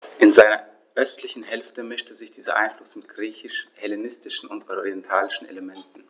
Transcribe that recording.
In seiner östlichen Hälfte mischte sich dieser Einfluss mit griechisch-hellenistischen und orientalischen Elementen.